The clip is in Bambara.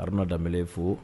Haruna da fo